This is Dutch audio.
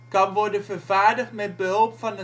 kan worden vervaardigd met behulp van